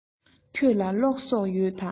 ཁྱོད ལ གློག བསོགས ཡོད དམ